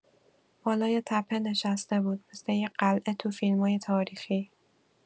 بالای تپه نشسته بود مثل یه قلعه تو فیلمای تاریخی.